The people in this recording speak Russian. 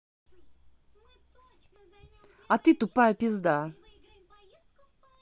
а ты тупая пизда